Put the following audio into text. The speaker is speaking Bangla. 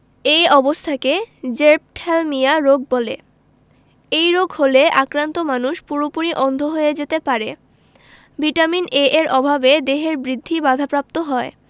এ অবস্থাকে জেরপ্থ্যালমিয়া রোগ বলে এই রোগ হলে আক্রান্ত মানুষ পুরোপুরি অন্ধ হয়ে যেতে পারে ভিটামিন এ এর অভাবে দেহের বৃদ্ধি বাধাপ্রাপ্ত হয়